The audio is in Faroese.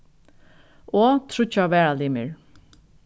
og tríggjar varalimir